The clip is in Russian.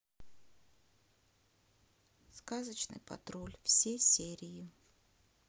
сказочный патруль все серии